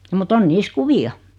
mutta on niissä kuvia